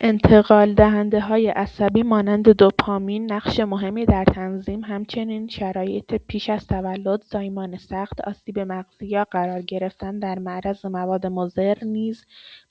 انتقال‌دهنده‌های عصبی مانند دوپامین نقش مهمی در تنظیم همچنین شرایط پیش از تولد، زایمان سخت، آسیب مغزی یا قرار گرفتن در معرض مواد مضر نیز